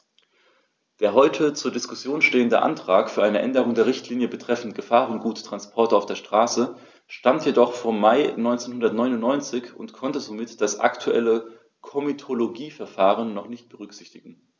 Der heute zur Diskussion stehende Vorschlag für eine Änderung der Richtlinie betreffend Gefahrguttransporte auf der Straße stammt jedoch vom Mai 1999 und konnte somit das aktuelle Komitologieverfahren noch nicht berücksichtigen.